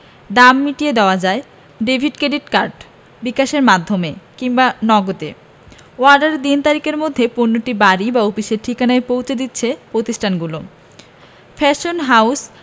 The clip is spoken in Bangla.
দাম মিটিয়ে দেওয়া যায় ডেভিড ক্রেডিট কার্ড বিকাশের মাধ্যমে কিংবা নগদে অর্ডারের তিন দিনের মধ্যে পণ্যটি বাড়ি বা অফিসের ঠিকানায় পৌঁছে দিচ্ছে প্রতিষ্ঠানগুলো ফ্যাশন হাউস